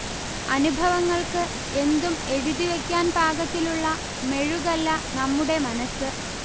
അനുഭവങ്ങൾക്ക് എന്തും എഴുതിവെക്കാൻ പാകത്തിലുള്ള മെഴുകല്ല നമ്മുടെ മനസ്സ്